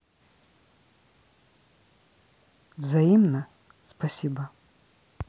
взаимно спасибо